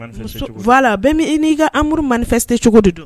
Manifeste cogo de don. voilà bɛɛ ni ka amour manifeste cogo de don